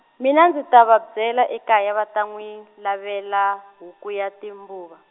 mina ndzi ta va byela ekaya va ta n'wi, lavela, huku ya timbuva.